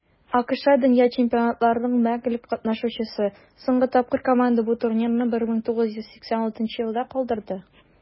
АКШ - дөнья чемпионатларының мәңгелек катнашучысы; соңгы тапкыр команда бу турнирны 1986 елда калдырды.